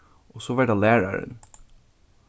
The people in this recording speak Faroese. og so var tað lærarin